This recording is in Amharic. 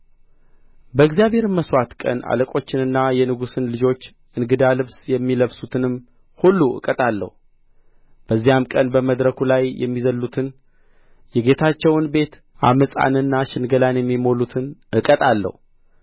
በእግዚአብሔርም መሥዋዕት ቀን አለቆችንና የንጉሥን ልጆች እንግዳ ልብስ የሚለብሱትንም ሁሉ እቀጣለሁ በዚያም ቀን በመድረኩ ላይ የሚዘልሉትን የጌታቸውን ቤት ዓመፃንና ሽንገላን የሚሞሉትን እቀጣለሁ